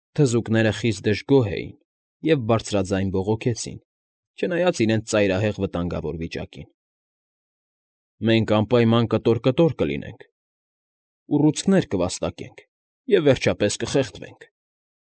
Թզուկները խիստ դժգոհ էին և բարձրաձայն բողոքեցին, չնայած իրենց ծայրահեղ վտանգավոր վիճակին։ ֊ Մենք անպայման կտոր֊կտոր կլինենք, ուռուցքներ կվաստակենք և, վերջապես, կխեղդվենք,֊